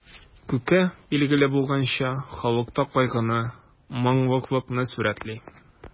Күке, билгеле булганча, халыкта кайгыны, моңлылыкны сурәтли.